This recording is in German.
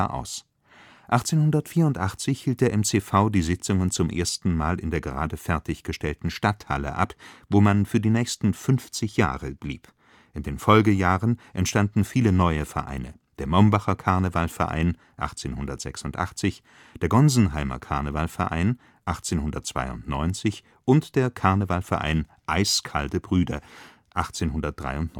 aus. 1884 hielt der MCV die Sitzungen zum ersten Mal in der gerade fertiggestellten Stadthalle ab, wo man für die nächsten 50 Jahre blieb. In den Folgejahren entstanden viele neue Vereine: der Mombacher Carneval Verein (1886), der Gonsenheimer Carneval-Verein (1892) und der Carnevalverein „ Eiskalte Brüder “(1893). An